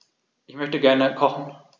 Ich möchte gerne kochen.